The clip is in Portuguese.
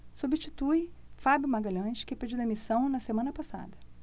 substitui fábio magalhães que pediu demissão na semana passada